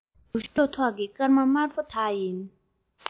རྒྱུགས ཤོག ཐོག གི སྐར མ དམར པོ དག ཡིན